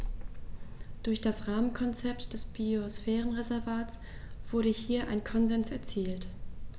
Durch das Rahmenkonzept des Biosphärenreservates wurde hier ein Konsens erzielt.